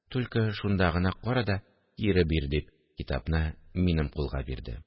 Түлке шунда гына кара да кире бир! – дип, китапны минем кулга бирде